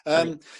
Yym.